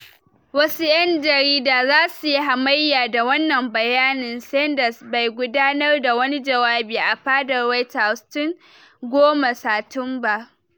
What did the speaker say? Wasu 'yan jarida za su yi hamayya da wannan bayani: Sanders bai gudanar da wani jawabi a Fadar White House tun 10 Satumba.